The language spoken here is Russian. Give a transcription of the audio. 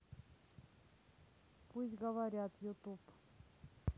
пусть говорят ютуб